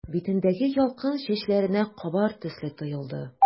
Битендәге ялкын чәчләренә кабар төсле тоелды.